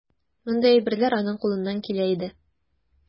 Мондый әйберләр аның кулыннан килә иде.